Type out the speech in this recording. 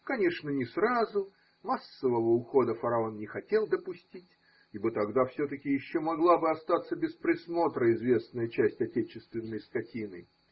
Конечно, не сразу: массового ухода фараон не хотел допустить, ибо тогда все-таки еще могла бы остаться без присмотра известная часть отечественной скотины.